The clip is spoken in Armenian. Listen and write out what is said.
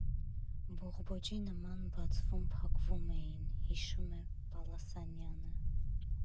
Բողբոջի նման բացվում֊փակվում էին», ֊ հիշում է Պալասանյանը։